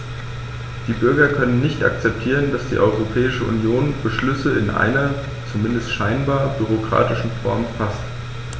Die Bürger können nicht akzeptieren, dass die Europäische Union Beschlüsse in einer, zumindest scheinbar, bürokratischen Form faßt.